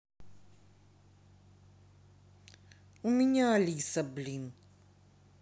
у меня алиса блин